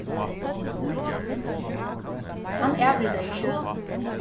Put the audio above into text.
hann avritaði skjølini